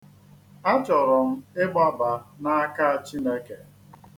Achọrọ m ịgbaba n'aka Chineke.